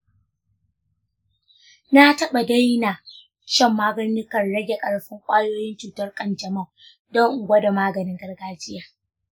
na taɓa daina shan magungunan rage ƙarfin ƙwayoyin cutar kanjamau don in gwada maganin gargajiya.